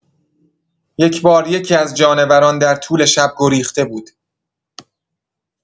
یک‌بار یکی‌از جانوران در طول شب گریخته بود.